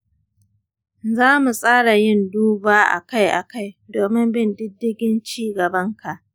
za mu tsara yin duba a kai a kai domin bin diddigin ci gaban ka.